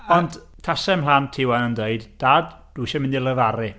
Ond tasai mhlant i 'wan yn deud, "Dad, dwi isio mynd i lefaru".